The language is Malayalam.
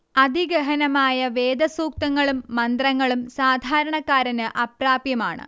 അതിഗഹനമായ വേദസുക്തങ്ങളും മന്ത്രങ്ങളും സാധാരണക്കാരന് അപ്രാപ്യമാണ്